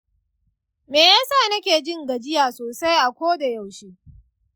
me ya sa nake jin gajiya sosai a koda yaushe?